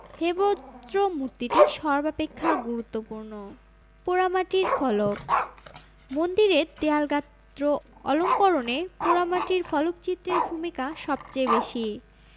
হেবজ্র মূর্তিটি সর্বাপেক্ষা গুরুত্বপূর্ণ পোড়ামাটির ফলক মন্দিরের দেয়ালগাত্র অলঙ্করণে পোড়ামাটির ফলকচিত্রের ভূমিকা সবচেয়ে বেশি